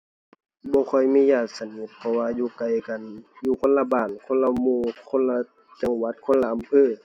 บ่ค่อยมีญาติสนิท เพราะว่าอยู่ไกลกัน อยู่คนละบ้าน คนละหมู่ คนละจังหวัด คนละอำเภอ